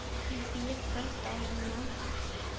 — дип, биек бер тау янына